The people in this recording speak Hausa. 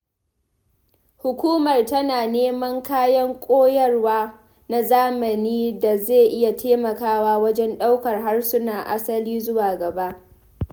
Hukumar tana neman kayan koyarwa na zamani da zai iya taimakawa wajen ɗaukar harsunan asali zuwa gaba.